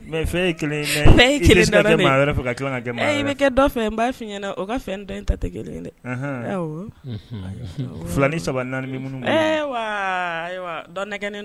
Mɛ kɛ fɛfin ɲɛna o ka fɛn den ta tɛ kelen dɛ ayi filanin saba naani minnu